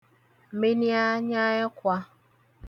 mini anyaekwā